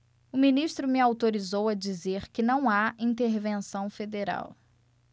o ministro me autorizou a dizer que não há intervenção federal